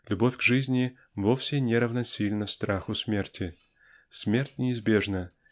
Любовь к жизни вовсе не равносильна страху смерти. Смерть неизбежна